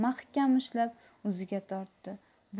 mahkam ushlab o'ziga tortdi